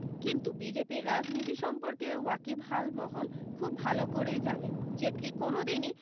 কিন্তু বিজেপির রাজনীতি সম্পর্কে ওয়াকিবহাল মহল খুব ভাল করেই জানেন জেটলি কোনও দিনি